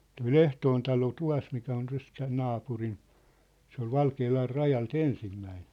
tuo Lehtoon talo tuossa mikä on tässä tämä naapurin se oli Valkealan rajalta ensimmäinen